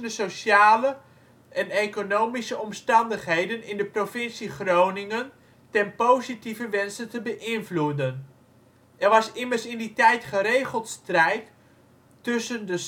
sociale en economische omstandigheden in de provincie Groningen ten positieve wenste te beïnvloeden. Er was immers in die tijd geregeld strijd tussen de